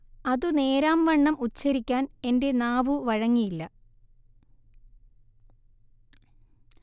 അതു നേരാംവണ്ണം ഉച്ചരിക്കാൻ എൻെറ നാവു വഴങ്ങിയില്ല